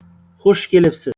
xush kelibsiz